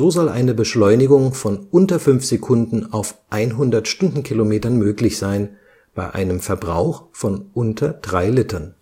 soll eine Beschleunigung von unter 5 Sekunden auf 100 km/h möglich sein, bei einem Verbrauch von unter drei Litern